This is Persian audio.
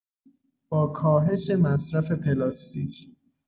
با کاهش مصرف پلاستیک